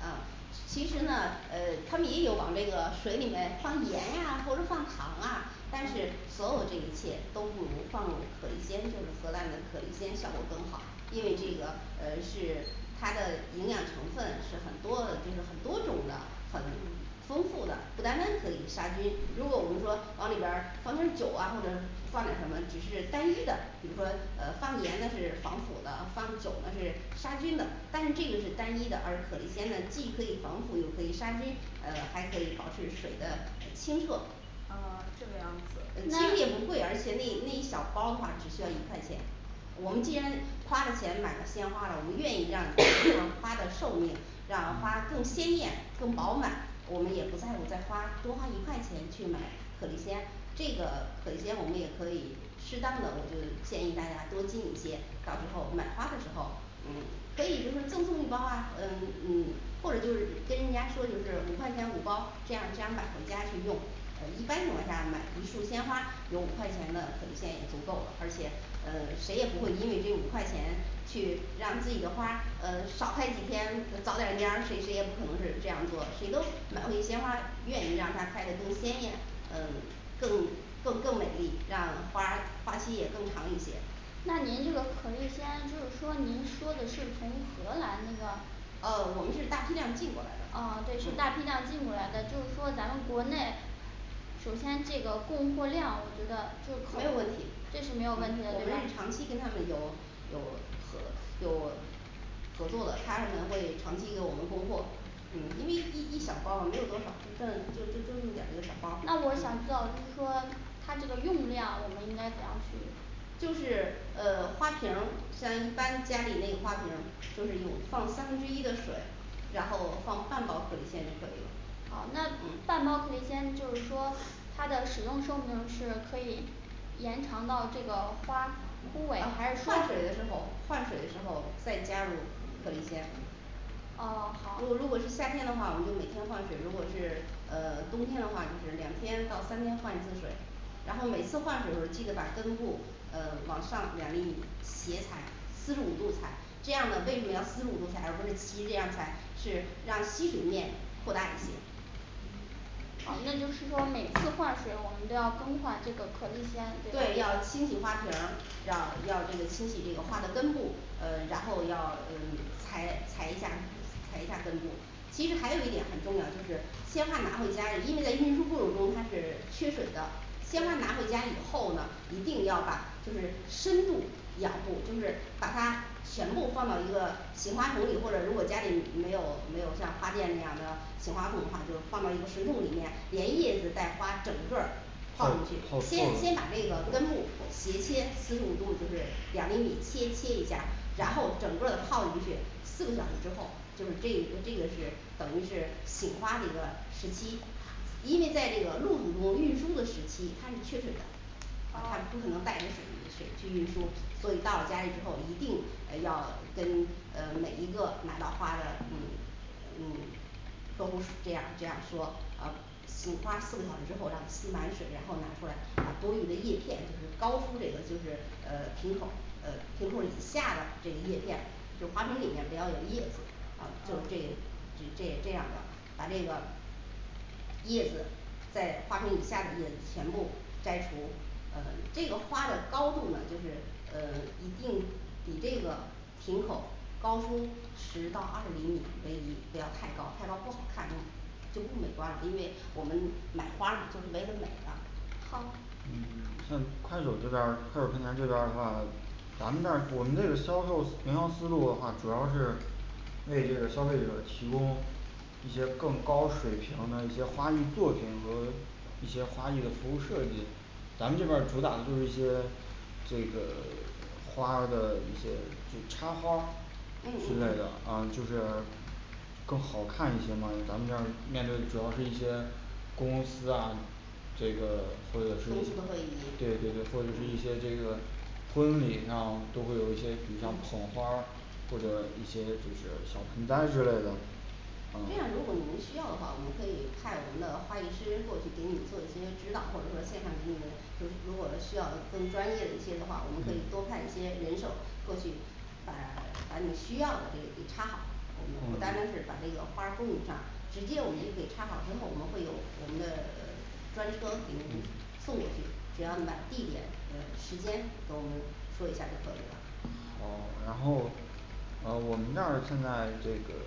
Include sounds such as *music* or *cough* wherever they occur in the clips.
啊其实呢呃他们也有往这个水里面放盐呀或者放糖啊，但是嗯所有这一切都不如放我可利鲜，就是荷兰的可利鲜效果更好因为这个呃是它的营养成分是很多的，就是很多种的很嗯丰富的不单单可以杀菌，如果我们说往里边儿放点儿酒啊或者放点儿什么，只是单一的，比如说呃放盐呢是防腐的，放酒呢是杀菌的，但是这个是单一的，而可利鲜呢既可以防腐又可以杀菌，呃还可以保持水的清澈哦这个样子呃其实也那不贵而且那那一小包话只需要一块钱我们既然花了钱买了鲜花了，我们愿意让让 *hesitation* 花的寿命让花更鲜艳更饱满我们也不在乎再花多花一块钱去买，可利鲜这个可利鲜我们也可以适当的我就建议大家多进一些，到时候买花的时候嗯可以比如说赠送一包啊，嗯嗯或者就是跟人家说就是五块钱五包这样这样买回家去用呃一般情况下买一束鲜花有五块钱的可利鲜也足够了，而且呃谁也不会因为这五块钱去让自己的花呃少开几天，早点儿蔫儿谁谁也不可能是这样做，谁都买回去鲜花，愿意让它开的更鲜艳，呃更更更美丽，让花花期也更长一些。那您这个可利鲜就是说您说的是从荷兰那个呃我们是大批量进过来的，啊嗯对是大批量进过来的就是说咱们国内首先这个供货量我觉得就口没有问儿题，这是没嗯，有我们问题的对吧，是长期跟他们有有合有合作的他们会长期给我们供货嗯因为一一小包没有多少，就这就就就这么点儿，的一个小包儿那嗯我想知道就是说它这个用量我们应该怎样去就是呃花瓶儿，像一般家里那花瓶儿就是有放三分之一的水然后放半包可利鲜就可以了好，那半包可嗯利鲜就是说它的使用寿命是可以延长到这个花枯萎还换是说水的时候，换水的时候再加入可利鲜哦好如如果是夏天的话，我们就每天换水，如果是呃冬天的话，就是两天到三天换一次水然后每次换水时候儿记得把根部呃往上两厘米斜裁四五度裁这样儿呢，为什么要四五度裁而不是齐整着这样裁，是让吸水面扩大一些噢那就是说每次换水我们都要更换这个可利鲜对吗对，要清洗花瓶儿，要要这个清洗这个花的根部，呃然后要嗯裁裁一下，裁一下根部其实还有一点很重要，就是鲜花拿回家，因为在运输过程中它是缺水的鲜花拿对回家以后呢，一定要把就是深度养护就是把它全部放到一个醒花瓶里，或者如果家里没有没有像花店那样的醒花露上，就放到一个水桶里面，连叶子带花整个儿后放进去后后先先把这个根部斜切四十五度，就是两厘米切切一下，然后整个泡的进去四个小时之后，就是这个这个是等于是醒花的一个时期因为在这个路途中运输的时期它是缺水的他噢不可能带着水去去运输，所以到了家里以后一定呃要跟呃每一个拿到花的嗯嗯客户数 *unintelligible* 这样儿这样儿说啊醒花四个小时之后让吸满水，然后拿出来，把多余的叶片就是高出这个就是呃瓶口儿呃瓶口儿以下的这个叶片就花瓶里面不要有叶子啊，就嗯这至 *unintelligible* 这这样的把这个叶子在花瓶以下的叶子全部摘除呃这个花的高度呢就是嗯一定比这个瓶口高出十到二十厘米为宜，不要太高，太高不好看，不 *unintelligible* 就不美观了，因为我们买花嘛就唯美的好嗯像快手这边儿，快手儿平台这边儿的话咱们这儿我们这个销售营销思路的话，主要是为这个消费者提供一些更高水平的一些花艺作品和一些花艺的服务设计咱们这边儿主打的就是一些这个 *silence* 花儿的一些这插花儿嗯之类的嗯，啊就是更好看一些嘛，咱们这儿面对的主要是一些公司啊这个或者是公司，对对会对，或者是议一些这，个嗯婚礼上都会有一些比如像捧花儿或者一些就是小盆栽之类的这样啊如果你们需要的话，我们可以派我们的花艺师过去给你做一些指导，或者说线上给你就是如果需要那更专业的一些的话，我们可以嗯多派一些人手过去把把你需要的给给插好，我们不单单嗯是把这个花儿供应上，直接我们是可以插好之后，我们会有我们的呃专车给你嗯送过去只要你把地点跟时间给我们说一下儿就可以了好然后呃我们这儿现在这个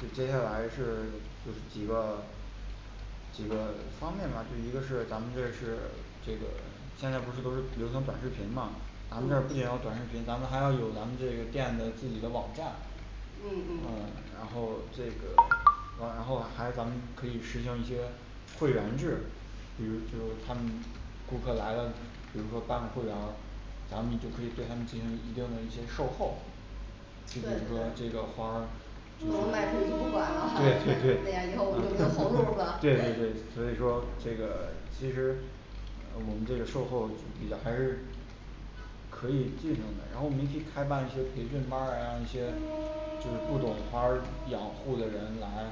这接下来是是几个几个方面吧，对一个是咱们这是这个现在不是都是流行短视频吗，咱们这儿嗯不仅要短视频，咱们还要有咱们这个店的自己的网站嗯啊嗯然后这个啊然后还咱们可以实行一些会员制，比如就他们顾客来了，比如说办会员儿，咱们就可以对他们进行一定的那些售后就一对对个这个花儿不能卖出去不管对对对然后嗯 *noise* 对呀以后我们就没有后路儿对对对可 *noise* 所以说这个其实呃我们这个售后比较还是可以进行的，然后您去开办一些培训班儿啊，让一些就是不懂花儿养护的人来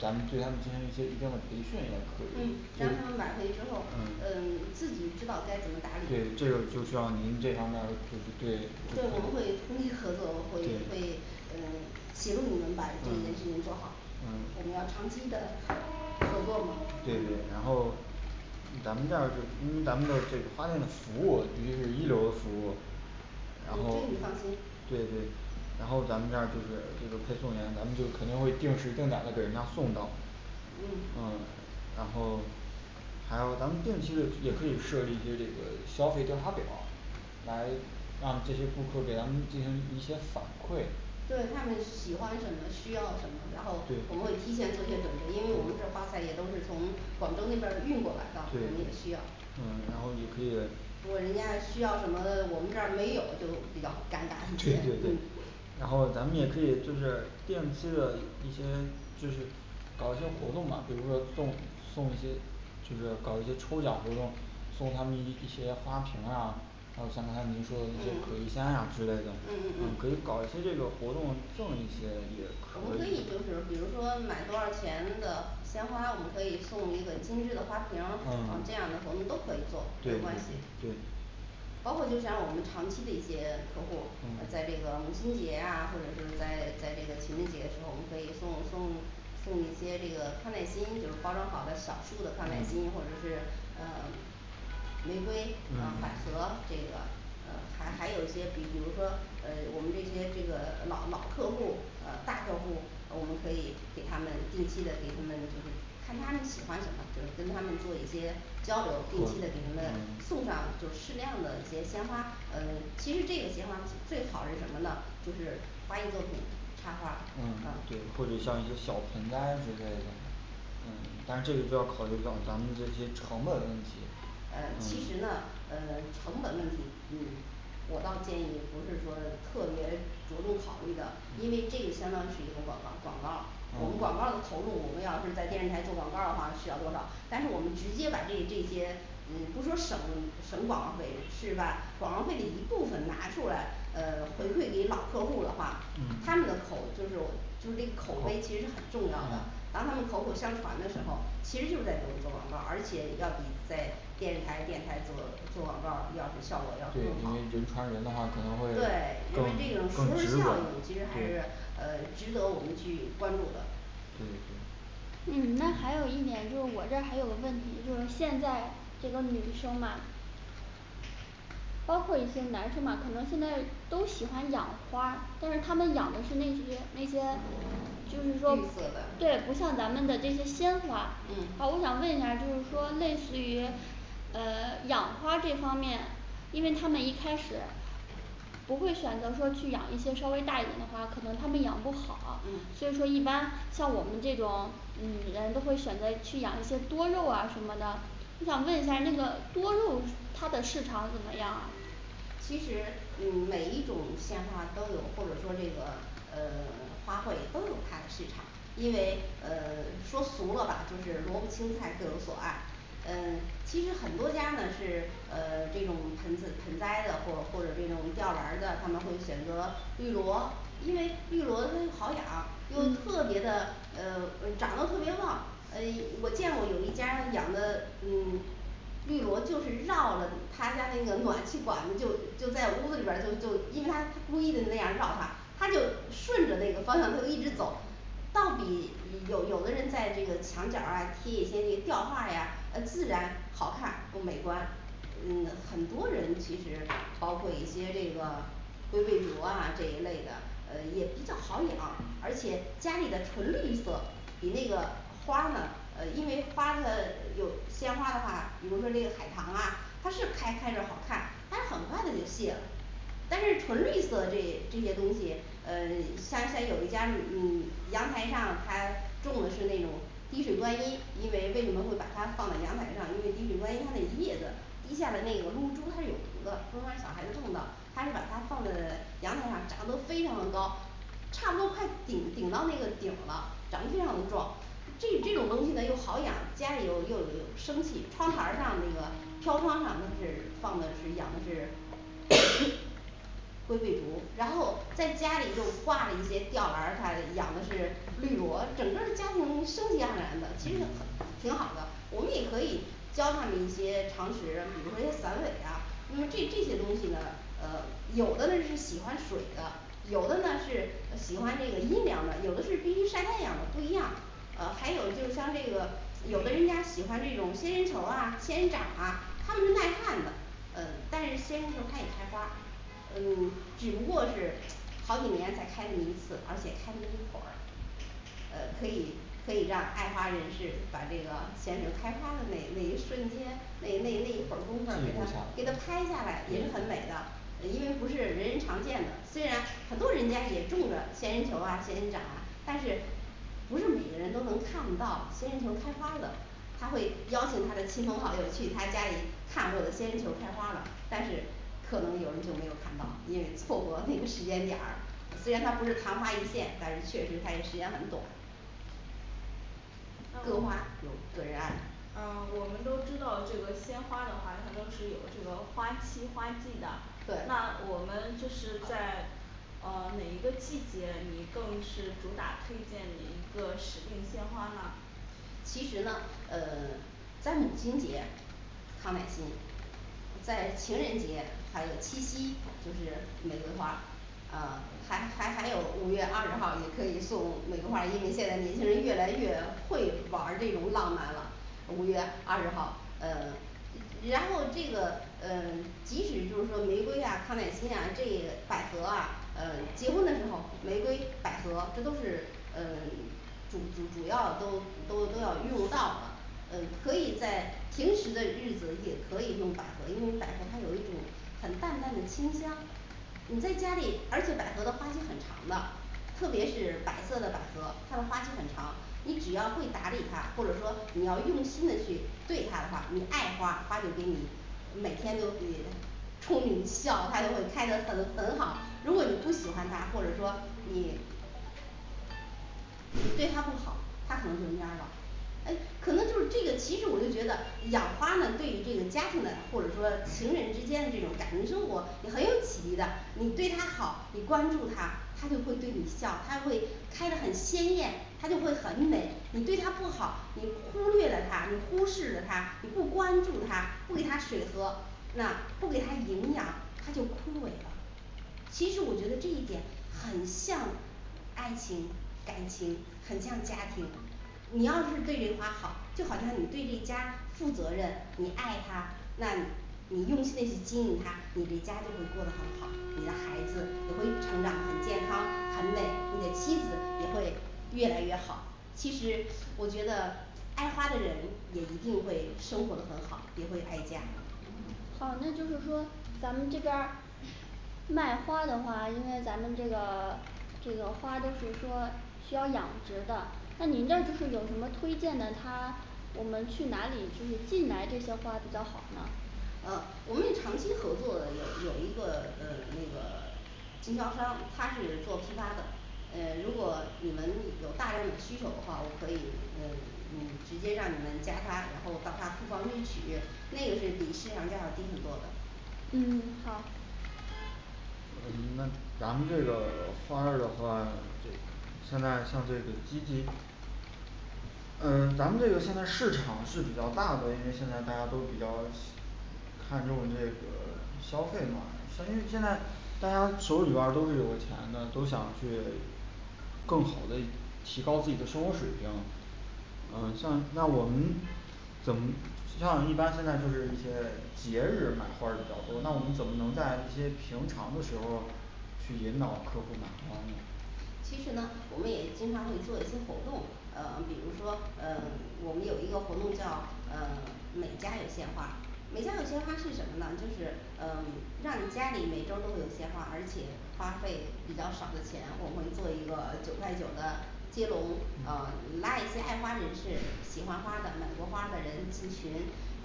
咱们对他们进行一些一定的培训，也可以嗯，，就让是他们买回去之后，嗯嗯 *silence* 自己知道该怎么打理，对，这这我个就需要您这方面儿的培训对，对们会通力合作我会会嗯协助你们把这件事嗯情做好。嗯我们要长期的合作嘛对嗯对然后咱们这儿就因为咱们的这花店的服务必须是一流的服务然嗯这个后你放心对对然后咱们这儿就是这个配送员咱们就肯定会定时定点儿的给人家送到嗯嗯然后还有咱们定期的也可以设置一些这个消费调查表来让这些顾客给咱们进行一些反馈对他们喜欢什么需要什么，然后我对们会提前做些准备，因为我们这花材也都是从广州那边儿运过来的对，我们也需要对嗯然后也可以，不过人家需要什么，我们这儿没有就比较尴尬 *noise* 对对对 *noise* 然后咱们也可以就是定期的一些就是搞一些活动吧，比如说送送一些植的搞一些抽奖活动，送他们一些花瓶儿啊还有像刚才您说的一些可利鲜啊之类的嗯嗯嗯，嗯可以嗯搞一些这个活动，赠一些也可我们可以以就是比如说买多少钱的鲜花我们可以送一个精致的花瓶，啊这啊样的活动都可以做，没有对对关系对包括就像我们长期的一些客户，啊嗯在这个母亲节啊或者是在在这个情人节时候，我们可以送送送一些这个康乃馨就是包装好的小束的康乃嗯馨或者是呃玫瑰啊百嗯合这个呃还还有一些比比如说呃我们这些这个老老客户呃大客户啊我们可以给他们定期的给他们就是看他们喜欢什么，呃跟他们做一些交流，定期的给他们嗯送上就适量的一些鲜花，呃其实这个鲜花最好是什么呢？就是花艺作品插花嗯对啊或者像一些小盆栽之类的嗯但是这个就要考虑到咱们这些成本问题，嗯其嗯实呢呃 *silence* 成本问题嗯我倒建议不是说特别着重考虑的，因为这相当于是一个广告广告我们广告的嗯投入，我们要是在电视台做广告儿的话需要多少，但是我们直接把这这些嗯不说省省广告儿费，是把广告儿费的一部分拿出来呃回馈给老客户儿的话嗯，他们的口就是就是这个口碑其口实是很重要的嗯然后他们口口相传的时候其实就是在给我们做广告儿，而且要比在电台电台做做广告儿要是效果要更对好因为，人传人的话，可能会对，因为这个更更不执是教着育，其实还对是呃值得我们去关注的对嗯那还有一点就是我这儿还有问题，就是现在这个女生嘛包括一些男生嘛可能现在都喜欢养花，但是他们养的是那些那些就绿是色说的对不像咱们的这些鲜花嗯，好，我想问一下，就是说类似于呃 *silence* 养花这方面，因为他们一开始不会选择说去养一些稍微大一点的花，可能他们养不好嗯，所以说一般像我们这种女人都会选择去养一些多肉啊什么的就是想问一下儿那个多肉它的市场怎么样其实嗯每一种鲜花都有，或者说这个嗯 *silence* 花卉都有它的市场，因为嗯 *silence* 说俗了吧就是萝卜青菜各有所爱嗯其实很多家呢是呃 *silence* 这种盆子盆栽的或或者这种吊篮儿的，他们会选择绿萝因为绿萝它好养又嗯特别的呃呃长的特别旺，呃我见过有一家养的嗯绿萝就是绕着他家那个暖气管子，就就在屋里边儿，就就因为他故意的那样他绕它，它就顺着那个方向它就一直走到底有有的人在这个墙角儿啊贴一些这吊画呀，呃自然好看不美观嗯 *silence* 很多人其实包括一些这个龟背萝啊这一类的呃也比较好养，而且家里的纯绿色比那个花呢，呃因为花的有鲜花的话，比如说这个海棠啊它是开开着好看，但很快它就泄了但是纯绿色的这这些东西呃像像有一家嗯阳台上，他种的是那种滴水观音，因为为什么会把它放在阳台上，因为滴水观音它那叶子滴下的那个露珠它是有毒的，后来小孩子碰到他是把它放在阳台上，长得都非常的高差不多快顶顶到那个顶了，长成这样壮，这这种东西呢又好养，家里有又有生气，窗台上儿那个飘窗上他是放的是养的是 *hesitation* 龟背竹，然后在家里又挂了一些吊篮儿他养的是绿萝，整个儿家庭生机盎然的，其实嗯挺好的，我们也可以教他们一些常识，比如说一些散尾啊，那么这这些东西呢呃有的呢是喜欢水的，有的呢是喜欢那个阴凉的，有的是必须晒太阳的不一样呃还有就是像这个有的人家喜欢这种仙人球儿啊，仙人掌啊它们耐旱的呃但是仙人球儿它也开花，嗯 *silence* 只不过是好几年才开这么一次，而且开一会儿呃可以可以让爱花人士把这个仙人球儿开花的那那一瞬间，那那那一会儿功夫儿给他记给他录下来拍下来也是很美对的对呃因为不是人人常见的，虽然很多人家也种了仙人球啊仙人掌啊，但是不是每个人都能看到，仙人球开花了，他会邀请他的亲朋好友去他家里看我的仙人球开花了但是可能有人就没有看到，因为错过那个 *noise* 时间点儿，虽然它不是昙花一现，但是确实它也时间很短。啊我们都知道这个鲜花的话，它都是有这个花期花季的，对那我们就是在噢哪一个季节你更是主打推荐哪一个时令鲜花呢其实呢呃 *silence* 在母亲节、康乃馨在情人节还有七夕，就是玫瑰花啊还还还有五月二十号也可以送玫瑰花，因为现在年轻人越来越会玩儿这种浪漫了五月二十号嗯然后这个嗯即使就是说玫瑰啊、康乃馨啊、这百合啊呃结婚的时候，玫瑰、百合这都是嗯 *silence* 嗯嗯主要都都都要用到了，呃可以在平时的日子也可以用百合，因为百合它有一种很淡淡的清香你在家里，而且百合的花期很长的特别是白色的百合，它的花期很长，你只要会打理它，或者说你要用心的去对它的话，你爱花花就给你每天都得冲着你笑，它就会开得很很好，如果你不喜欢它或者说你你对他不好，他可能就蔫儿了诶可能就是这个其实我就觉得养花呢对于这个家庭的或者说情人之间的这种感情生活也很有启迪的，你对它好，你关注它它就会对你笑，它会开得很鲜艳，它就会很美，你对它不好，你忽略了它，你忽视了它你不关注它，不给它水喝，那不给它营养它就枯萎了其实我觉得这一点很像爱情，感情很像家庭你要是对这花好，就好像你对这家负责任，你爱它，那你用心的去经营它，你的家就会过得很好，你的孩子也会成长很健康很美，你的妻子也会越来越好其实我觉得爱花的人也一定会生活得很好，也会爱家，哦那就是说咱们这边儿 *crosstalk* 卖花的话，因为咱们这个这个花都是说需要养殖的，那您的就是有什么推荐的，他我们去哪里就是进来这些花比较好呢呃我们长期合作的有有一个呃那个经销商他是做批发的嗯如果你们有大量的需求的话，我可以嗯嗯直接让你们加他，然后到他库房去取，那个是比市场价格低很多的嗯好嗯那咱们这个 *silence* 花儿的话就现在像这个机器嗯咱们这个现在市场是比较大的，因为现在大家都比较喜 *unintelligible* 看重这个消费嘛，像因为现在大家手里边儿都是有钱的都想去更好的提高自己的生活水平。嗯像那我们怎么像一般现在就是一些节日买花儿的比较多，那我们怎么能在一些平常的时候儿去引导客户买花儿呢其实呢我们也经常会做一些活动，呃比如说嗯 *silence* 我们有一个活动叫呃 *silence* 每家有鲜花每家有鲜花，是什么呢？就是嗯让你家里每周儿都会有鲜花，而且花费比较少的钱，我会做一个九块九的接龙，呃嗯拉一些爱花人士，喜欢花的买过花的人进群，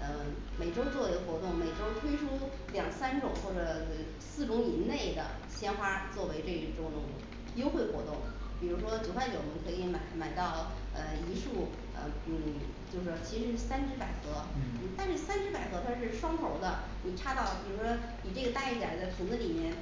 嗯每周做一个活动，每周儿推出两三种或者四种以内的鲜花作为这一种优惠活动，比如说九块九我们可以买买到呃一束，呃嗯就说其实是三枝百合，嗯嗯但是三枝百合它是双头儿的，你插到比如说比这个大一点儿的瓶子里面